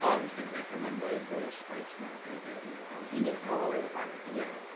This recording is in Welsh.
Ond fi'n gobeithio mae'n rhoi fwy o sbeis na be oedd e 'di wneud. That was literally like... He was boring as anything... Ie.